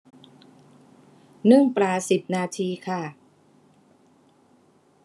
นึ่งปลาสิบนาทีค่ะ